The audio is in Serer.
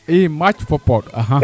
ii maac fo pooɗ axa